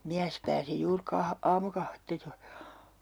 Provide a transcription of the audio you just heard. mies pääsi juuri - aamukahvia joi